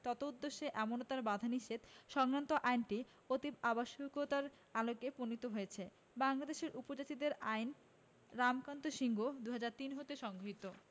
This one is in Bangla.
তদ্দেশে এমনতার বিধিনিষেধ সংক্রান্ত আইনটি অতীব অত্যাবশ্যকীয়তার আলোকে প্রণীত হয়েছে বাংলাদেশের উপজাতিদের আইন রামকান্ত সিংহ ২০০৩ হতে সংগৃহীত